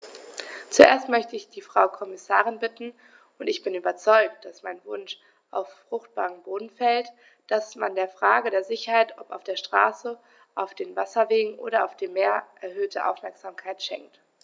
Zuerst möchte ich die Frau Kommissarin bitten - und ich bin überzeugt, dass mein Wunsch auf fruchtbaren Boden fällt -, dass man der Frage der Sicherheit, ob auf der Straße, auf den Wasserwegen oder auf dem Meer, erhöhte Aufmerksamkeit schenkt.